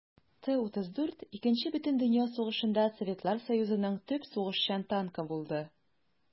Т-34 Икенче бөтендөнья сугышында Советлар Союзының төп сугышчан танкы булды.